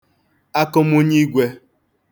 akụmunyigwē